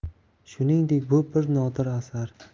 shuningdek bu bir nodir asar